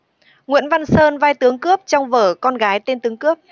nguyễn văn sơn vai tướng cướp trong vở con gái tên tướng cướp